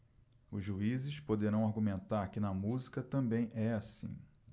os juízes poderão argumentar que na música também é assim